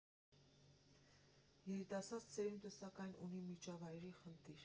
«Երիտասարդ սերունդը, սակայն, ունի միջավայրի խնդիր։